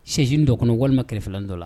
chaise ni dɔ kɔnɔ walima kɛrɛfɛlani dɔ la.